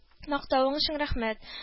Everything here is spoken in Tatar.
— мактавың өчен рәхмәт